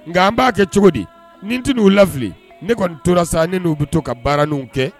Nka an b'a kɛ cogo di ni n tɛna n'u lafili ne kɔni tora sa ne n'u bɛ to ka baaraniw kɛ